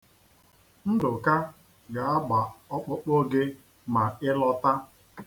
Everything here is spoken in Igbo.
Ndụka ga-agba ọkpụkpụ gị ma ị lọta.